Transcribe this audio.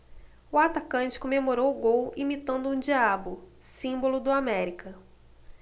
o atacante comemorou o gol imitando um diabo símbolo do américa